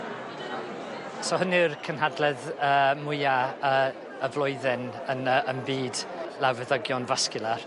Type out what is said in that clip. So hwn yw'r cynhadledd yy mwya yy y flwyddyn yn yy yn byd lawfeddygion fasgiwlar.